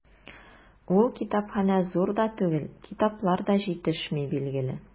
Ул китапханә зур да түгел, китаплар да җитешми, билгеле.